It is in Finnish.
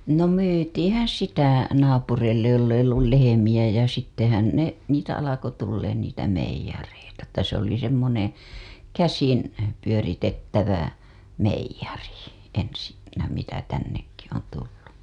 no myytiinhän sitä naapureille jolla ei ollut lehmiä ja sittenhän ne niitä alkoi tulemaan niitä meijereitä että se oli semmoinen käsin pyöritettävä meijeri ensinnä mitä tännekin on tullut